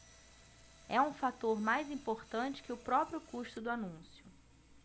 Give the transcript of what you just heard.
é um fator mais importante que o próprio custo do anúncio